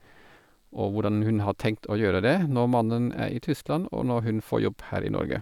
Og hvordan hun har tenkt å gjøre det når mannen er i Tyskland, og når hun får jobb her i Norge.